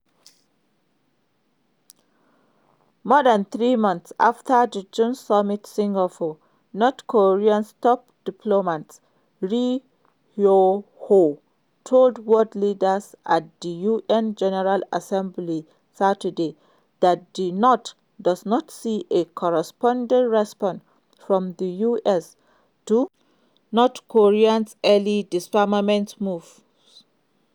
More than three months after the June summit in Singapore, North Korea's top diplomat Ri Yong Ho told world leaders at the U.N. General Assembly Saturday that the North doesn't see a "corresponding response" from the U.S. to North Korea's early disarmament moves.